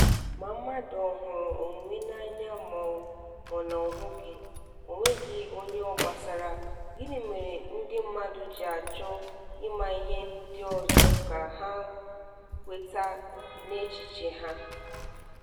Ma mmadụ ọ hụrụ emume n'anya mọọbụ na ọhụghị, onweghị onye ọ gbasara, gịnị mere ndị mmadụ ji achọ ịmanye ndị ọzọ ka ha kweta n'echiche ha?